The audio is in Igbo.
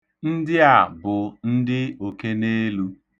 Ndị a bụ ndị okeneelu.